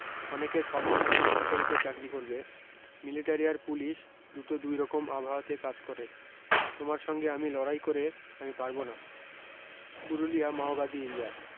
অনেকের স্বপ্ন থাকে মিলিটারিতে চাকরী করবে মিলিটারি আর পুলিশ দুটো দুইরকম আবহাওয়াতে কাজ করে তোমার সঙ্গে আমি লড়াই করে আমি পারবো না পুরুলিয়া মাওবাদী এরিয়া